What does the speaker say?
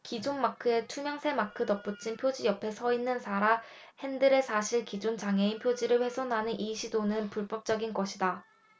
기존 마크에 투명 새 마크 덧붙인 표지 옆에 서있는 사라 핸드렌사실 기존 장애인 표지를 훼손하는 이 시도는 불법적인 것이다